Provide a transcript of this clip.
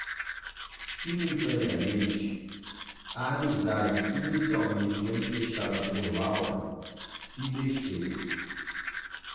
simultaneamente a amizade inicialmente manifestada por laura se disfez